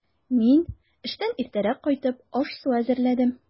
Мин, эштән иртәрәк кайтып, аш-су әзерләдем.